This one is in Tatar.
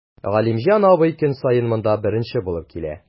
Галимҗан абый көн саен монда беренче булып килә.